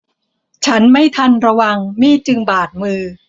ฉันไม่ทันระวังมีดจึงบาดมือ